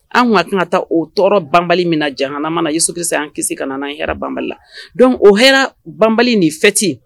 An kun ka kan ka taa o tɔɔrɔ banbali min na, jahanama min na Yesu kirisa yan bange la na nan ye hɛrɛ ban Bali la. donc o hɛrɛ ban bali ni fête